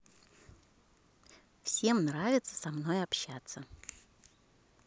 всем нравится со мной общаться